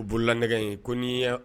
U bolola nɛgɛ ye ko n'i ya